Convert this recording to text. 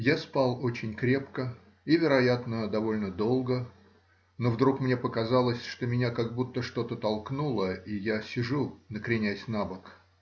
Я спал очень крепко и, вероятно, довольно долго, но вдруг мне показалось, что меня как будто что-то толкнуло и я сижу, накренясь набок.